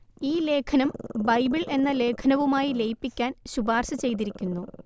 ഈ ലേഖനം ബൈബിള്‍ എന്ന ലേഖനവുമായി ലയിപ്പിക്കാന്‍ ശുപാര്‍ശ ചെയ്തിരിക്കുന്നു